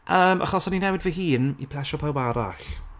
Yym, achos o'n i'n newid fy hun, i plesio pawb arall.